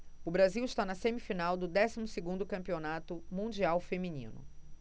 o brasil está na semifinal do décimo segundo campeonato mundial feminino